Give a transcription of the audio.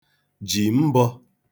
jì mbọ̄